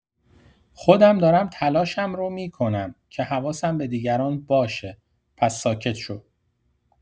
خودم دارم تلاشم رو می‌کنم که حواسم به دیگران باشه، پس ساکت شو!